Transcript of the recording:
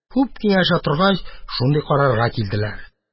Күп киңәшә торгач, шундый карарга килделәр